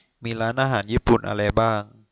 มีร้านอาหารญี่ปุ่นอะไรบ้าง